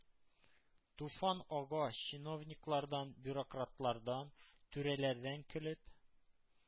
Туфан ага чиновниклардан, бюрократлардан, түрәләрдән көлеп,